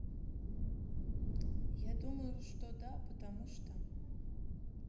я думаю что да потому что